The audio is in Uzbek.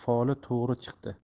xolaning foli to'g'ri chiqdi